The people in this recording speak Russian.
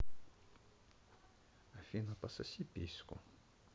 афина пососи письку